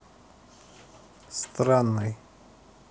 странный